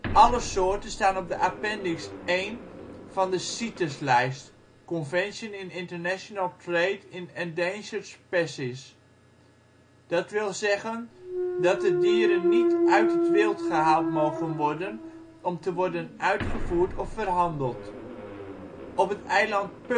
Alle soorten staan op de Appendix I van de CITES lijst (Convention in International Trade in Endangered Species). Dat wil zeggen dat de dieren niet uit het wild gehaald mogen worden om te worden uitgevoerd of verhandeld. Op het eiland Phuket in Thailand